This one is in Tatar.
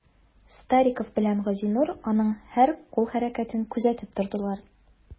Стариков белән Газинур аның һәр кул хәрәкәтен күзәтеп тордылар.